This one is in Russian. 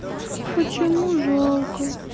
почему жалко